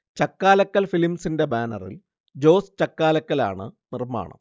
ചക്കാലക്കൽ ഫിലിമ്സിൻെറ ബാനറിൽ ജോസ് ചക്കാലക്കലാണ് നിർമ്മാണം